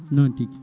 noon tigui